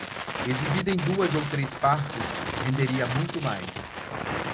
exibida em duas ou três partes renderia muito mais